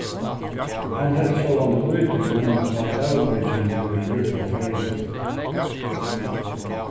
hann helt sjálvandi lítið um at avbyrging verður brúkt í føroyum